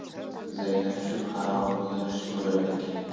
zaynab shu haromini yaxshi ko'rar ekan